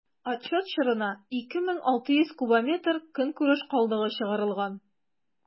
Отчет чорында 2600 кубометр көнкүреш калдыгы чыгарылган.